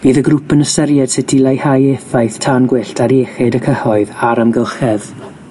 Bydd y grŵp yn ystyried sut i leihau effaith tân gwyllt ar iechyd y cyhoedd a'r amgylchedd.